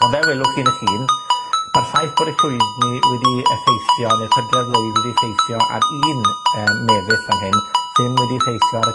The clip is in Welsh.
ond fel welwch chi yn 'ych hun, ma'r ffaith bod y llwydni wedi effeithio, ne'r pydredd lwyd wedi effeithio ar un yym mefus fan hyn, ddim wedi effeithio ar y